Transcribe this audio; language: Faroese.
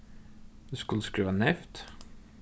vit skuldu skriva neyvt